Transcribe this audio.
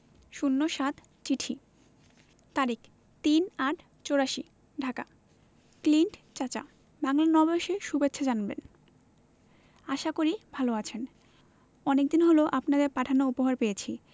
০৭ চিঠি তারিখ ৩-৮-৮৪ ঢাকা ক্লিন্ট চাচা বাংলা নববর্ষের সুভেচ্ছা জানাবেন আশা করি ভালো আছেন অনেকদিন হল আপনাদের পাঠানো উপহার পেয়েছি